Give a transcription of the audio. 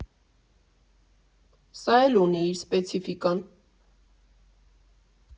Սա էլ ունի իր սպեցիֆիկան։